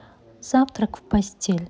завтрак в постель